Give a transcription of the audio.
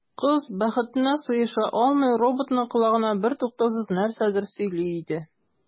Кыз, бәхетенә сыеша алмый, роботның колагына бертуктаусыз нәрсәдер сөйли иде.